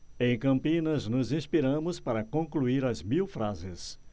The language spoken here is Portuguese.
em campinas nos inspiramos para concluir as mil frases